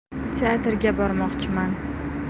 teatrga bormoqchiman